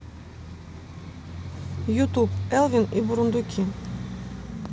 ютуб элвин и бурундуки